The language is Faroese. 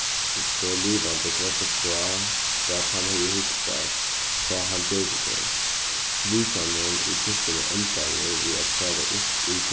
so livandi greiddi frá hvat hann hevði hugsað tá hann gjørdi tær vitjanin í kirkjuni endaði við at fara upp í